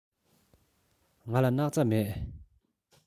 ང ལ སྣག ཚ མེད